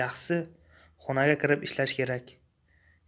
yaxshisi kabinetga kirib ishlash kerak